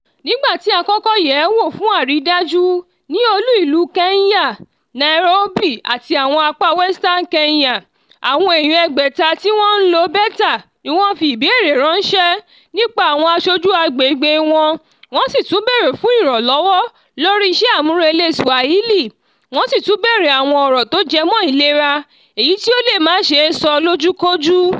Nígbà tí a kọ́kọ́ yẹ̀ẹ́ wò fún àrîdájú ní olú ìlú Kenya, Nairobi, àti ní àwon apá Western Kenya, àwọn èèyàn 600 ti wọ́n ń lo beta ni wọn fi ìbéèrè ránṣẹ́ nípa àwọn aṣojú àgbègbè wọn, wọ́n sì tún béèrè fún ìrànlọ́wọ́ lórí isẹ́ àmúleré Swahili, wọ́n sì tún béèrè àwọn ọ̀rọ̀ tó jẹ mọ́ ìlera èyí tí ó lè má ṣeé sọ lójúkojú.